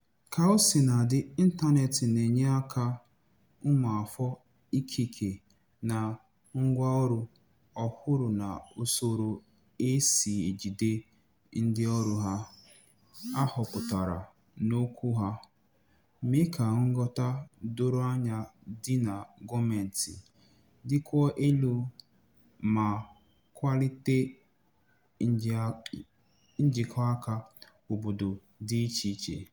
Kaosinadị, ịntaneetị na-enyekwa ụmụafọ ikike na ngwáọrụ ọhụrụ na usoro e si ejide ndịọrụ ha ahọpụtara n'okwu ha, mee ka nghọta doro anya dị na gọọmenti dịkwuo elu, ma kwalite njikọaka obodo dị icheiche.